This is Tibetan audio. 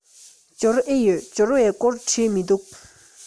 འབྱོར ཨེ ཡོད འབྱོར བའི སྐོར བྲིས མི འདུག